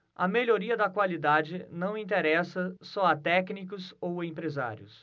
a melhoria da qualidade não interessa só a técnicos ou empresários